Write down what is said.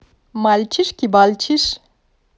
мальчиш кибальчиш